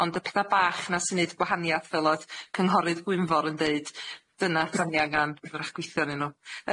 Ond y petha' bach 'na sy'n neud gwahanieth fel o'dd cynghorydd Gwynfor yn deud dyna 'sa ni angan 'w'rach gwithio arnyn nw.